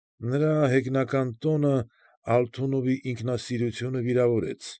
Նրա հեգնական տոնը Ալթունովի ինքնասիրությունը վիրավորեց։